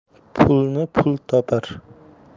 pulni pul topar